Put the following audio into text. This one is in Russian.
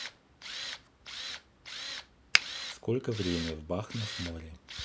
сколько время в бахнов море